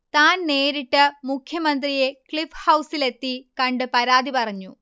താൻ നേരിട്ട് മുഖ്യമന്ത്രിയെ ക്ളിഫ്ഹൗസിലെത്തി കണ്ട് പരാതി പറഞ്ഞു